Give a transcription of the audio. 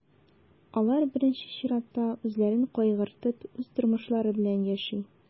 Алар, беренче чиратта, үзләрен кайгыртып, үз тормышлары белән яши.